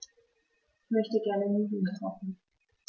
Ich möchte gerne Nudeln kochen.